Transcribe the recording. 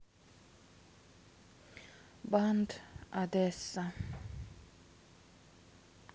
банд одесса